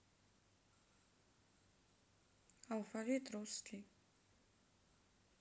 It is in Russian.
алфавит русский